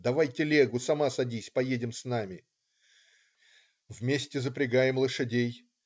Давай телегу, сама садись, поедем с нами. " Вместе запрягаем лошадей.